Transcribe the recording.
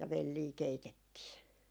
ja velliä keitettiin